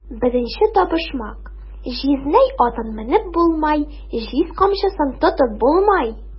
Беренче табышмак: "Җизнәй атын менеп булмай, җиз камчысын тотып булмай!"